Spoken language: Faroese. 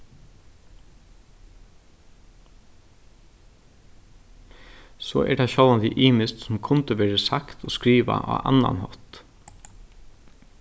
so er tað sjálvandi ymiskt sum kundi verið sagt og skrivað á annan hátt